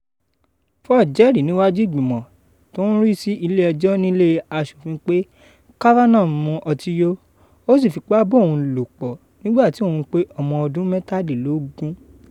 Ford jẹ́rìí níwájú ìgbìmọ̀ tó ń rí sí ilé ẹjọ́ nílé Aṣòfin pé Kavanaugh mú ọtí yó, ó sì fipá bá òun lòpọ̀ nígbà tí òun pé ọmọ ọdún mẹ́tàdínlógún.